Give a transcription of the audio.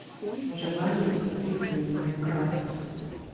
выживание с подписчиками майнкрафт